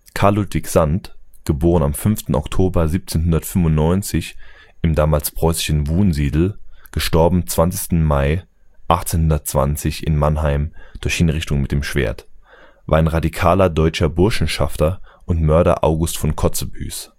* 5. Oktober 1795 im damals preußischen Wunsiedel; † 20. Mai 1820 in Mannheim durch Hinrichtung mit dem Schwert) war ein radikaler deutscher Burschenschafter und Mörder August von Kotzebues